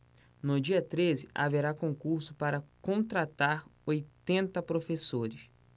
no dia treze haverá concurso para contratar oitenta professores